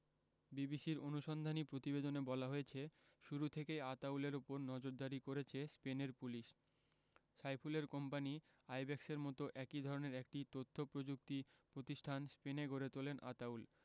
বিবিসির অনুসন্ধানী প্রতিবেদনে বলা হয়েছে শুরু থেকেই আতাউলের ওপর নজরদারি করেছে স্পেনের পুলিশ সাইফুলের কোম্পানি আইব্যাকসের মতো একই ধরনের একটি তথ্যপ্রযুক্তি প্রতিষ্ঠান স্পেনে গড়ে তোলেন আতাউল